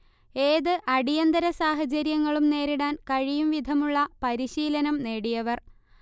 ഏത് അടിയന്തര സാഹചര്യങ്ങളും നേരിടാൻ കഴിയുംവിധമുള്ള പരിശീലനം നേടിയവർ